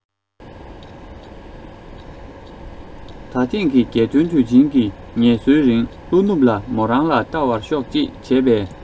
ད ཐེངས ཀྱི རྒྱལ སྟོན དུས ཆེན གྱི ངལ གསོའི རིང ལྷོ ནུབ ལ མོ རང ལ བལྟ བར ཤོག ཅེས བྱས པས